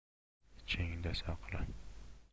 ichingda saqla